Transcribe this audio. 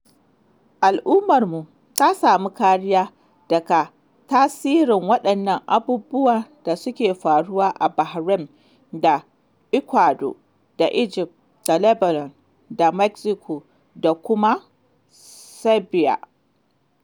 Al'ummarmu ta samu kariya daga tasirin waɗannan abubuwan da suke faruwa a Bahrain da Ecuado da Egypt da Lebanon da Mexico da kuma Serbia.